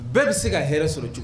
Bɛɛ be se ka hɛrɛ sɔrɔ cog